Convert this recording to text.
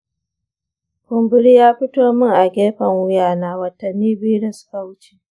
kumburi ya fito min a gefen wuya na watanni biyu da suka wuce.